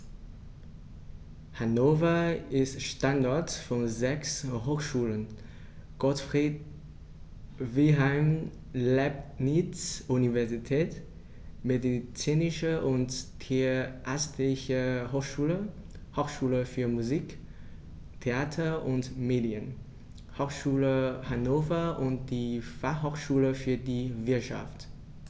Hannover ist Standort von sechs Hochschulen: Gottfried Wilhelm Leibniz Universität, Medizinische und Tierärztliche Hochschule, Hochschule für Musik, Theater und Medien, Hochschule Hannover und die Fachhochschule für die Wirtschaft.